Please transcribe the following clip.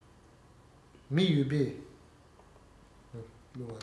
མི ཡོད པས